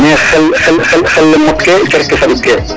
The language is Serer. Mais xel le motkee cer ke saɗikkee